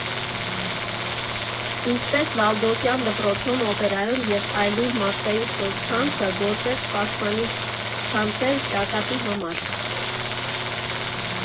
Ինչպես Վալդորֆյան դպրոցում, Օպերայում և այլուր մարդկային սոցցանցը գործեց պաշտպանիչ ցանցեր ճակատի համար։